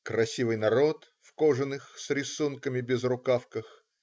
Красивый народ в кожаных, с рисунками, безрукавках.